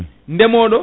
ndemoɗo